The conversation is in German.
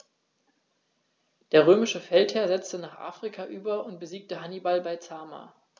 Der römische Feldherr setzte nach Afrika über und besiegte Hannibal bei Zama.